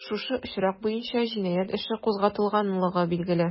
Шушы очрак буенча җинаять эше кузгатылганлыгы билгеле.